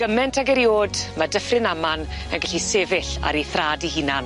Gyment ag eriod ma' Dyffryn Aman yn gallu sefyll ar 'i thraed 'i hunan.